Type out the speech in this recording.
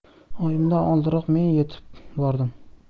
oyimdan oldinroq men yetib bordim